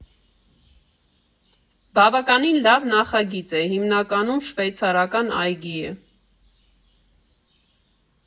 Բավականին լավ նախագիծ է, հիմնականում շվեյցարական այգի է։